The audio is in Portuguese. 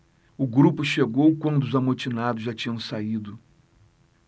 o grupo chegou quando os amotinados já tinham saído